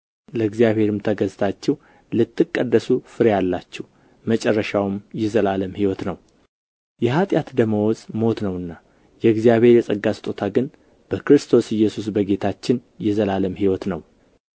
ለእግዚአብሔርም ተገዝታችሁ ልትቀደሱ ፍሬ አላችሁ መጨረሻውም የዘላለም ሕይወት ነው የኃጢአት ደመወዝ ሞት ነውና የእግዚአብሔር የጸጋ ስጦታ ግን በክርስቶስ ኢየሱስ በጌታችን የዘላለም ሕይወት ነው